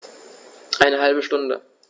Eine halbe Stunde